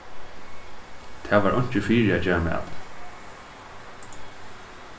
tað var einki fyri at gera mat